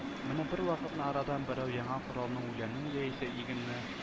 Менә бервакытны арадан берәү яңа коралның үләнен яисә игенне